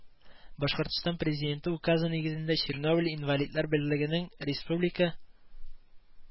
Башкортстан Президенты указы нигезендә Чернобыль инвалидлар берлегенең республика